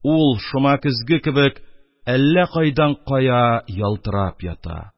Ул, шома көзге кебек, әллә кайдан-кая ялтырап ята.